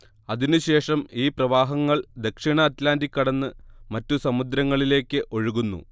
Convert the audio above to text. അതിനുശേഷം ഈ പ്രവാഹങ്ങൾ ദക്ഷിണ അറ്റ്ലാന്റിക് കടന്ന് മറ്റു സമുദ്രങ്ങളിലേക്ക് ഒഴുകുന്നു